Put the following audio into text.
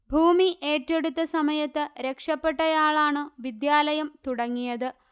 ഭൂമി ഏറ്റെടുത്ത സമയത്ത് രക്ഷപ്പെട്ടയാളാണു വിദ്യാലയം തുടങ്ങിയത്